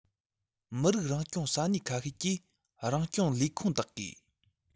མི རིགས རང སྐྱོང ས གནས ཁ ཤས ཀྱི རང སྐྱོང ལས ཁུངས དག གིས